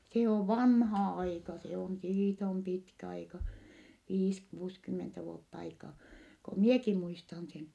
se on vanha aika se on siitä on pitkä aika viisi kuusikymmentä vuotta aikaa kun minäkin muistan sen